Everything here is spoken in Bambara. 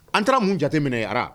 An taara mun jateminɛ ye ara